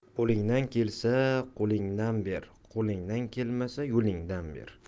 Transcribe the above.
qo'lingdan kelsa qo'lingdan ber qo'lingdan kelmasa yo'lingdan ber